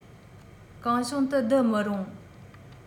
གང བྱུང དུ བསྡུ མི རུང